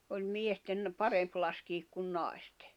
oli miesten parempi laskea kuin naisten